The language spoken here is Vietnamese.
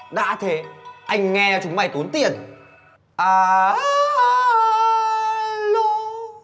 đã thế anh nghe chúng mày tốn tiền à á a a lô